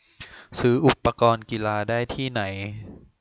ซื้ออุปกรณ์กีฬาได้ที่ไหน